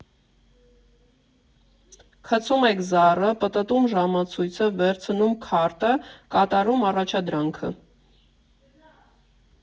Գցում եք զառը, պտտում ժամացույցը, վերցնում քարտը, կատարում առաջադրանքը։